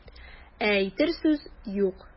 Ә әйтер сүз юк.